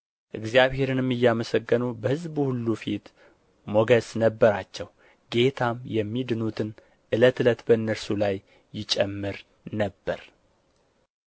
እግዚአብሔርንም እያመሰገኑ በሕዝብ ሁሉ ፊት ሞገስ ነበራቸው ጌታም የሚድኑትን ዕለት ዕለት በእነርሱ ላይ ይጨምር ነበር